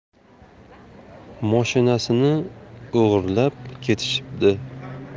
moshinasini o'g'irlab ketishibdi